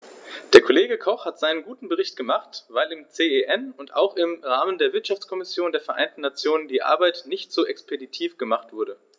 Der Kollege Koch hat seinen guten Bericht gemacht, weil im CEN und auch im Rahmen der Wirtschaftskommission der Vereinten Nationen die Arbeit nicht so expeditiv gemacht wurde.